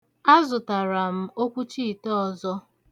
Azụtara m okwuchi ite ọzọ.